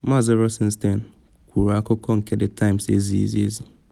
Maazị Rosentein kwuru akụkọ nke The Times ezighi ezi.